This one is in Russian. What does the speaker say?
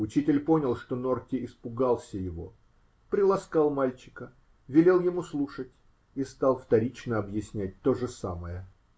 Учитель понял, что Норти испугался его, приласкал мальчика, велел ему слушать и стал вторично объяснять то же самое.